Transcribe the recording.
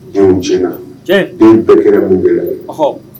Den jna den bɛɛkɛ mun bɛɛ la